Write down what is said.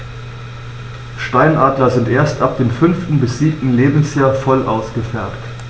Steinadler sind erst ab dem 5. bis 7. Lebensjahr voll ausgefärbt.